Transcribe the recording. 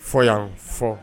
Fɔ yan fɔ